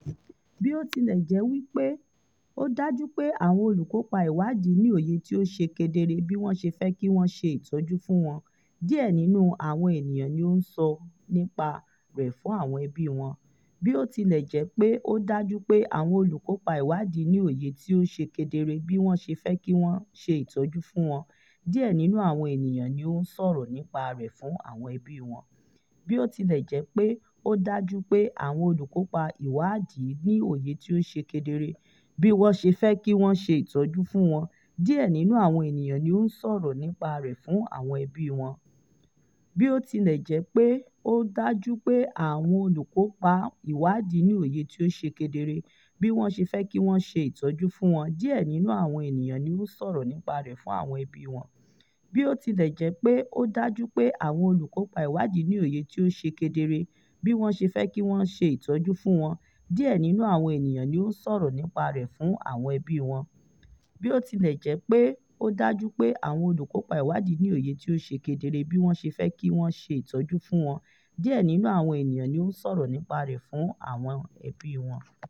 Bí ó tilẹ̀ jẹ́ pé ó dájú pé àwọn olùkópa ìwáàdí ní òye tí ó ṣe kedere bí wọ́n ṣe fẹ́ kí wọ́n ṣe ìtọ́jú fún wọn, díẹ̀ Nínú àwọn ènìyàn ni ó ń sọ̀rọ̀ nípa rẹ̀ fún àwọn ẹbí wọn.